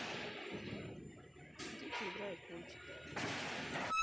дети играют мультик